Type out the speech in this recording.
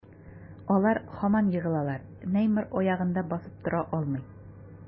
Алар һаман егылалар, Неймар аягында басып тора алмый.